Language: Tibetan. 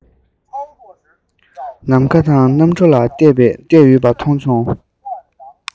ནམ མཁའ དང གནམ གྲུ ལ གཏད ཡོད པ མཐོང བྱུང